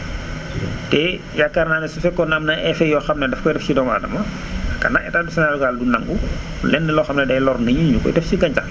te yaakaar naa ne su fekkoon ne am na ay effet yoo xam ne daf koy def si doomu aadama yaakaar naa etat du Sénégal du nangu lenn loo xam ne day lor nit ñi ñu koy def si gàncax gi